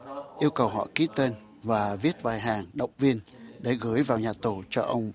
yêu cầu họ ký tên và viết vài hàng động viên để gửi vào nhà tù cho ông